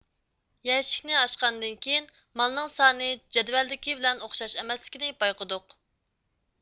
يەشىكنى ئاچقاندىن كېيىن مالنىڭ سانى جەدۋەلدىكى بىلەن ئوخشاش ئەمەسلىكىنى بايقىدۇق